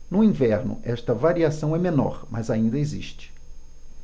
no inverno esta variação é menor mas ainda existe